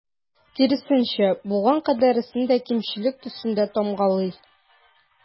Киресенчә, булган кадәресен дә кимчелек төсендә тамгалый.